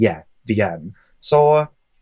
ie, fi yn, so,